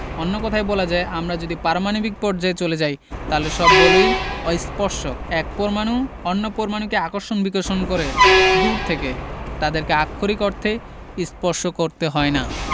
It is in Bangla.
অন্য কথায় বলা যায় আমরা যদি পারমাণবিক পর্যায়ে চলে যাই তাহলে সব বলই অস্পর্শক এক পরমাণু অন্য পরমাণুকে আকর্ষণ বিকর্ষণ করে দূর থেকে তাদেরকে আক্ষরিক অর্থে স্পর্শ করতে হয় না